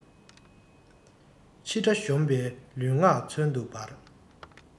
ཕྱི དགྲ གཞོམ པའི ལུས ངག མཚོན དུ འབར